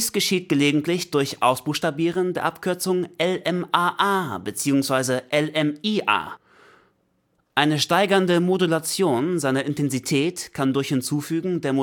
geschieht gelegentlich durch Ausbuchstabieren der Abkürzung „ LmaA “bzw. „ LmiA “. Eine (steigernde) Modulation seiner Intensität kann durch Hinzufügen der